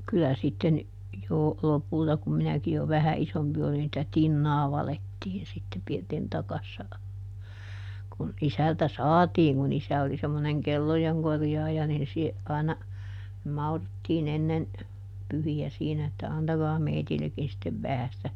kyllä sitten jo lopulta kun minäkin jo vähän isompi olin sitä tinaa valettiin sitten pirtin takassa kun isältä saatiin kun isä oli semmoinen kellojen korjaaja niin - aina mauruttiin ennen pyhiä siinä että antakaa meillekin sitten vähän sitä